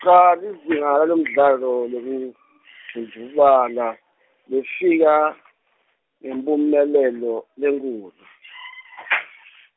cha lizinga lalomdlalo, lekudvundvubala , lefika , ngemphumelelo, lenkhulu .